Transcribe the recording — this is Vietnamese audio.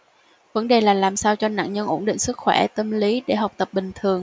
vấn đề là làm sao cho nạn nhân ổn định sức khỏe tâm lý để học tập bình thường